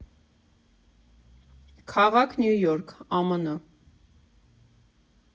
Քաղաք՝ Նյու Յորք, ԱՄՆ։